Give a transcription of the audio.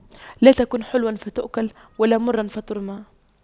لا تكن حلواً فتؤكل ولا مراً فترمى